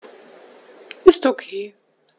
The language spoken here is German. Ist OK.